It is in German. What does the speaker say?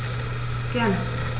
Gerne.